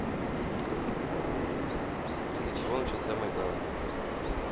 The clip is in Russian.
из за чего начался майдан